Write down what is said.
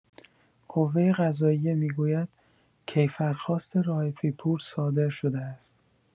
قوۀ قضائیه می‌گوید: کیفرخواست رائفی پور صادر شده است.